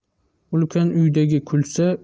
ulkan uydagi kulsa